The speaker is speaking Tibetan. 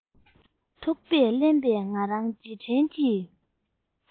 ཐུག པས བརླན པའི ང རང རྗེས དྲན གྱི